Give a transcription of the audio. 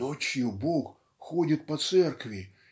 "Ночью Бог ходит по церкви